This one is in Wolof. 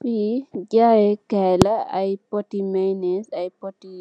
Fi jaye kai la ay poti mayonnaise ay poti